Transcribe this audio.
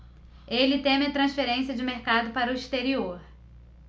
ele teme a transferência de mercado para o exterior